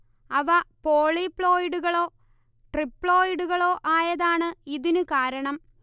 അവ പോളിപ്ലോയിഡുകളോ ട്രിപ്ലോയിടുകളോ ആയതാണ് ഇതിനു കാരണം